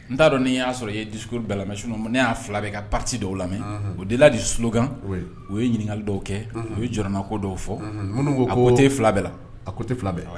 N t'a dɔn'i y'a sɔrɔ e ye di skuru bɛ las ne y'a fila bɛ ka pa dɔw la o deli la de sukan u ye ɲininkakali dɔw kɛ u ye jɔnako dɔw fɔ minnu ko tɛ fila bɛɛ la a ko tɛ fila bɛɛ